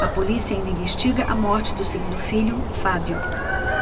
a polícia ainda investiga a morte do segundo filho fábio